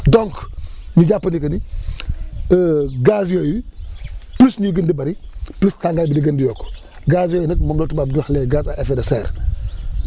donc ñi jàpp ni que ni gaz yooyu plus ñuy gën di bëri plus tàngaay bi di gën di yokk gaz yooyu nag moom la tubaab di wax les gaz à effet de serre